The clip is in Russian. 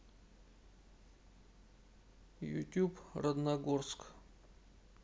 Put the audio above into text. ютуб родногорск